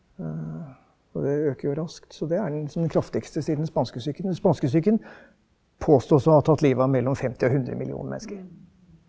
og det øker jo raskt så det er liksom den kraftigste siden spanskesyken spanskesyken påstås å ha tatt livet av mellom 50 og 100 million mennesker.